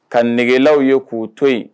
Ka nɛgɛgelaw ye k'u to yen